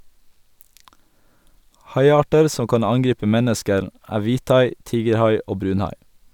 Haiarter som kan angripe mennesker er hvithai, tigerhai og brunhai.